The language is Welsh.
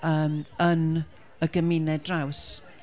yym, yn y gymuned draws.